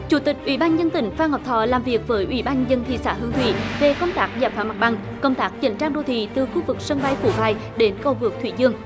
chủ tịch ủy ban nhân dân tỉnh phan ngọc thọ làm việc với ủy ban nhân dân thị xã hương thủy về công tác giải phóng mặt bằng công tác chỉnh trang đô thị từ khu vực sân bay phú bài đến cầu vượt thủy dương